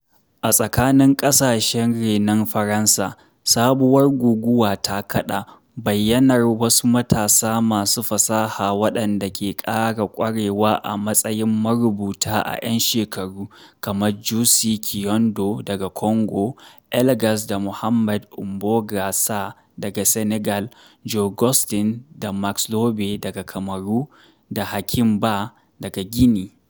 A tsakanin ƙasashe renon Faransa, sabuwar guguwa ta kaɗa, bayyanar wasu matasa masu fasaha waɗanda ke ƙara ƙwarewa a matsayin marubuta a 'yan shekaru, kamar Jussy Kiyindou daga Congo, Elgas da Mohamed Mbougar Sarr daga Senegal, Jo Güstin da Max Lobé daga Kamaru, da Hakim Bah daga Guinea.